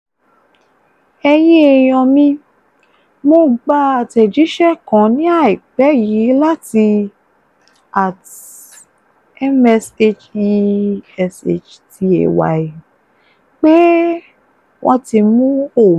@3arabawy: Ẹ̀yin èèyàn mi, mo gba àtẹ̀jíṣẹ́ kan ní àìpẹ́ yìí láti @msheshtawy pé wọ́n ti mú òun.